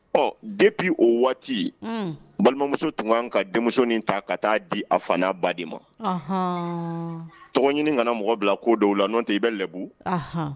Ɔ den' o waati balimamuso tun kan ka denmuso in ta ka taaa di a fana ba de ma tɔgɔ ɲini kana mɔgɔ bila ko dɔw la n tɛ i bɛ lɛbu